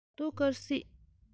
གདུགས དཀར སྐྱིད